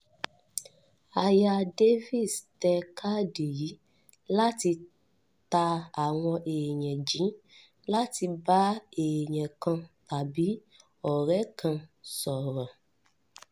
Aya Davis te káàdì yìí láti ta àwọn èèyàn jí láti bá èèyàn kan tàbí ọ̀rẹ́ kan sọ̀rọ̀.”